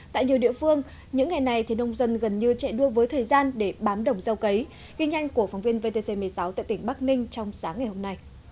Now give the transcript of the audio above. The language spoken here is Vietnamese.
tại nhiều địa phương những ngày này nông dân gần như chạy đua với thời gian để bám đồng gieo cấy tin nhanh của phóng viên vê tê xê mười sáu tại tỉnh bắc ninh trong sáng ngày hôm nay